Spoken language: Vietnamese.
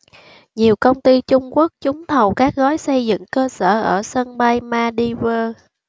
nhiều công ty trung quốc trúng thầu các gói xây dựng cơ sở ở sân bay maldives